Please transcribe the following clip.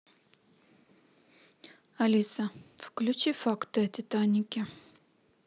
алиса включи факты о титанике